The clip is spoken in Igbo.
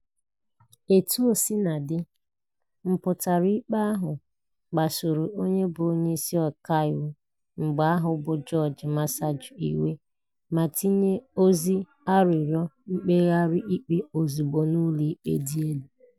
Etuosinadị, mpụtara ikpe ahụ kpasuru onye bụ Onyeisi Ọkaiwu mgbe ahụ bụ George Masaju iwe ma tinye ozi arịrịọ mkpegharị ikpe ozugbo n'Ụlọikpe Dị Elu: